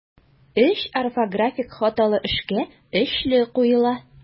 Өч орфографик хаталы эшкә өчле куела.